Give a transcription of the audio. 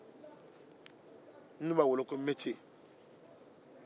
ne b'a weele ko metiye